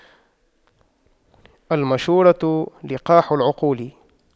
المشورة لقاح العقول